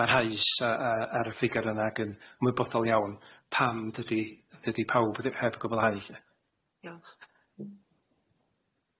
barhaus a- a- ar y ffig ar yna ag yn ymwybodol iawn, pam dydi dydi pawb ddi- heb y gwblhau lly. Diolch